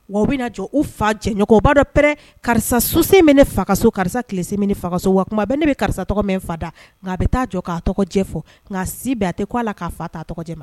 Wa o bɛna jɔ u fa jɛnɲɔgɔ, o b'a don pɛrɛ, karisa sosen bɛ ne fa ka so, karisa tilesen bɛ ne fa fa ka so wa tuma bɛ ne bɛ karisa tɔgɔ men n fa da nka a bɛ taa jɔ k'a tɔgɔ jɛ fɔ nka si a tɛ ku a la k'a fa t'a tɔgɔ jɛ ma.